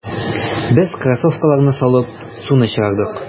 Без кроссовкаларны салып, суны чыгардык.